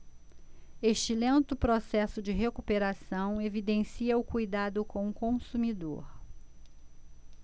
este lento processo de recuperação evidencia o cuidado com o consumidor